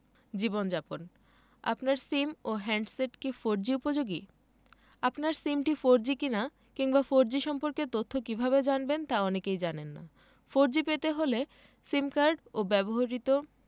জীবনযাপন আপনার সিম ও হ্যান্ডসেট কি ফোরজি উপযোগী আপনার সিমটি ফোরজি কিনা কিংবা ফোরজি সম্পর্কে তথ্য কীভাবে জানবেন তা অনেকেই জানেন না ফোরজি পেতে হলে সিম কার্ড ও ব্যবহৃত